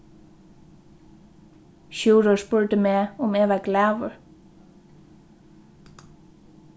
sjúrður spurdi meg um eg var glaður